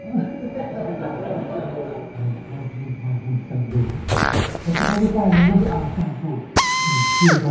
người theo hương hoa mây mù giăng lối làn sương khói phôi phai nâng bước ai xa rồi đường xưa vắng